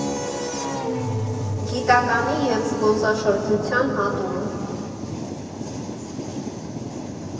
Գիտականի և զբոսաշրջության հատումը։